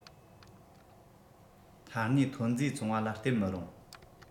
མཐའ སྣེའི ཐོན རྫས བཙོང བ ལ བརྟེན མི རུང